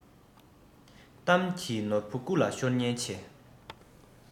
གཏམ གྱི ནོར བུ རྐུ ལ ཤོར ཉེན ཆེ